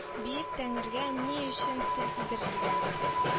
Бөек тәнрегә ни өчен тел тидерергә